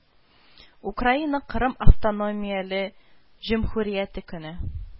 Украина Кырым Автономияле Җөмһүрияте көне